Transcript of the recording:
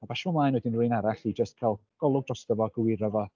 A basio fo ymlaen wedyn i rywun arall i jyst cael golwg drosto fo a gywiro fo.